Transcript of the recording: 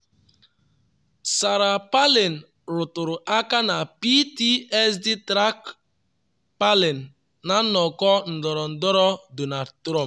Sarah Palin rụtụrụ aka na PTSD Track Palin na nnọkọ ndọrọndọrọ Donald Trump.